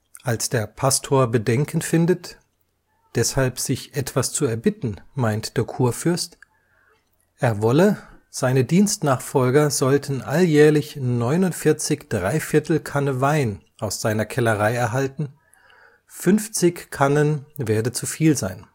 Als der Pastor Bedenken findet, deshalb sich Etwas zu erbitten, meint der Churfürst: » Er wolle, seine Dienstnachfolger sollten alljährlich 49 3/4 Kanne Wein aus seiner Kellerei erhalten, 50 Kannen werde zu viel sein